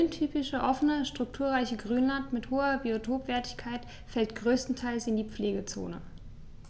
Das rhöntypische offene, strukturreiche Grünland mit hoher Biotopwertigkeit fällt größtenteils in die Pflegezone.